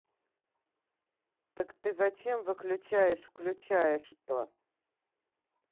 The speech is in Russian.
так ты зачем выключаешь включаешь то